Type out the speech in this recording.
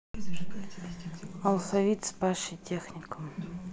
алфавит с пашей техником